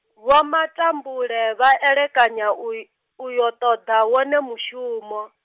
Vho Matambule vha elekanya uyo, uyo ṱoḓa wone mushumo.